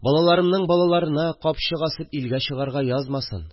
Балаларымның балаларына капчык асып илгә чыгарга язмасын